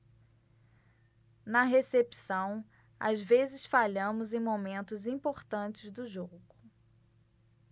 na recepção às vezes falhamos em momentos importantes do jogo